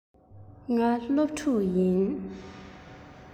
ང སློབ ཕྲུག ཡིན